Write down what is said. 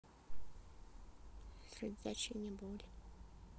средоточение боли